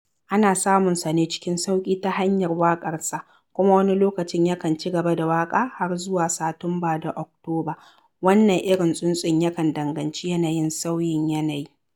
Ana samunsa ne cikin sauƙi ta hanyar waƙarsa kuma wani lokacin yakan cigaba da waƙa har zuwa Satumba da Oktoba. Wannan irin tsuntsun yakan danganci yanayin sauyin yanayi.